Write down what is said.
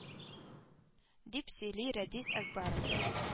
Дип сөйли рәдис әкбаров